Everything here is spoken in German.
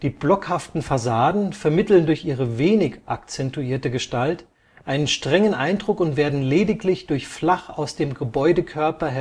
blockhaften Fassaden vermitteln durch ihre wenig akzentuierte Gestalt einen strengen Eindruck und werden lediglich durch flach aus dem Gebäudekörper